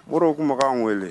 Ɔro kumakan wele